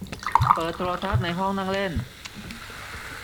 เปิดโทรทัศน์ในห้องนั่งเล่น